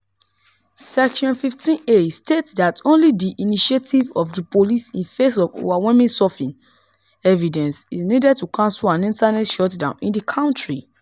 Section 15a states that only the "initiative" of the police in face of "overwhelming sufficing evidence" is needed to cancel an internet shutdown in the country.